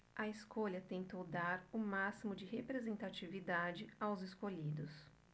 a escolha tentou dar o máximo de representatividade aos escolhidos